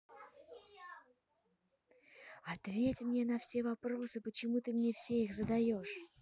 ответь мне на все вопросы почему ты мне все их задаешь